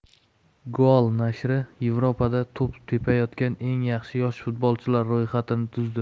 goal nashri yevropada to'p tepayotgan eng yaxshi yosh futbolchilar ro'yxatini tuzdi